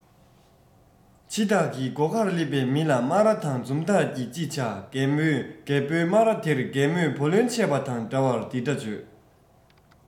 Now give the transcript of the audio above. འཆི བདག གི སྒོ ཁར སླེབས པའི མི ལ སྨ ར དང འཛུམ མདངས ཀྱིས ཅི བྱ རྒན མོས རྒད པོའི སྨ ར དེར རྒན མོས བུ ལོན ཆད པ དང འདྲ བར འདི འདྲ བརྗོད